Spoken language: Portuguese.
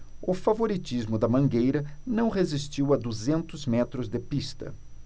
o favoritismo da mangueira não resistiu a duzentos metros de pista